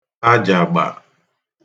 ajàgbà